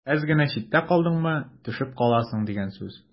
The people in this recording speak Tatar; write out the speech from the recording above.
Әз генә читтә калдыңмы – төшеп каласың дигән сүз.